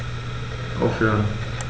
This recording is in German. Aufhören.